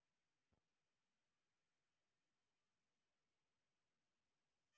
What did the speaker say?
консультант шестая серия смотреть